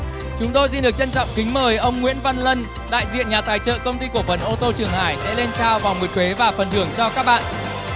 chúng tôi xin được trân trọng kính mời ông nguyễn văn lân đại diện nhà tài trợ công ty cổ phần ôtô trường hải sẽ lên trao vòng nguyệt quế và phần thưởng cho các bạn